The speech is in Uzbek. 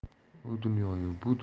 u dunyoyu bu